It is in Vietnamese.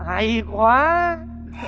hay quá